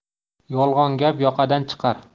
yolg'on gap yoqadan chiqar